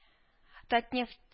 Татнефть